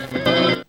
San